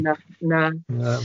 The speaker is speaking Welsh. Na na.